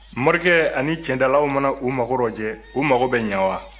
morikɛ ani cɛndalaw mana u mago lajɛ u mago bɛ ɲɛ wa